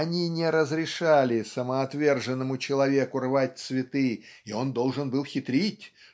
Они не разрешали самоотверженному человеку рвать цветы и он должен был хитрить